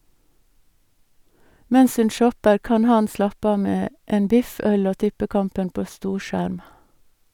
Mens hun shopper, kan han slappe av med en biff, øl og tippekampen på storskjerm.